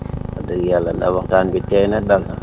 wax dëgg yàlla ndax waxtaan bi teey na dal na